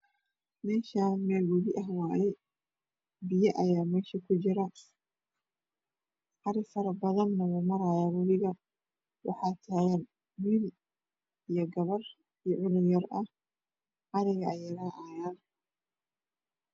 Mashan waa mel wabi ah biyo ayaa mesh kujiro arey ashee marayo waxaa mesh tagan gabar iyo will